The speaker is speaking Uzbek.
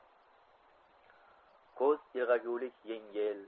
ko'z ilg'agulik yengil